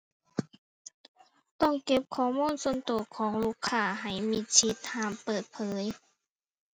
ต้องเก็บข้อมูลส่วนตัวของลูกค้าให้มิดชิด ห้ามเปิดเผย